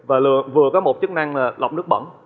và lừa vừa có một chức năng là lọc nước bẩn